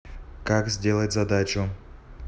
как сделать задачу